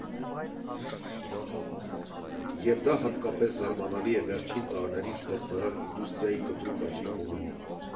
Եվ դա հատկապես զարմանալի է վերջին տարիներին ստեղծարար ինդուստրիայի կտրուկ աճի ֆոնին։